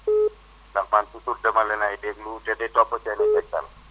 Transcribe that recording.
ndax man toujours dama leen ay déglu te di topp seen tegtal